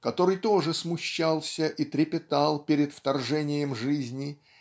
который тоже смущался и трепетал перед вторжением жизни